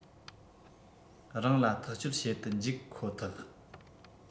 རང ལ ཐག གཅོད བྱེད དུ འཇུག ཀོ ཐག